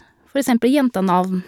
For eksempel jentenavn.